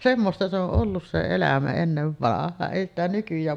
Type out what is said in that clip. semmoista se on ollut se elämä ennen vanhaan ei sitä nykyään